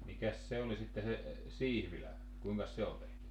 mikäs se oli sitten se siivilä kuinkas se oli tehty